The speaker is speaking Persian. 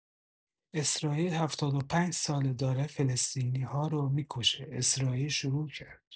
اسراییل هفتاد و پنج‌ساله داره فلسطینی‌ها رو می‌کشه اسراییل شروع کرد.